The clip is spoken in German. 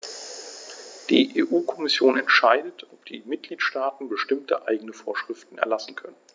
Die EU-Kommission entscheidet, ob die Mitgliedstaaten bestimmte eigene Vorschriften erlassen können.